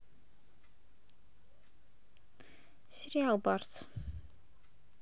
сериал барс